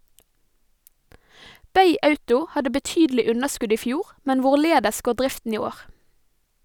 - Bay Auto hadde betydelig underskudd i fjor , men hvorledes går driften i år?